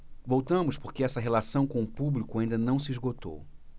voltamos porque essa relação com o público ainda não se esgotou